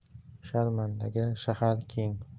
sharmandaga shahar keng